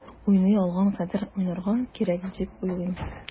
Уйный алган кадәр уйнарга кирәк дип уйлыйм.